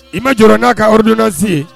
I ma jɔ n'a ka olubunasi yen